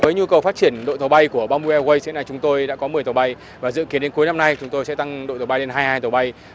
với nhu cầu phát triển đội tàu bay của bam bô e uây sẽ là chúng tôi đã có mười tàu bay và dự kiến đến cuối năm nay chúng tôi sẽ tăng lên hai hai tàu bay